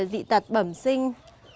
dị tật bẩm sinh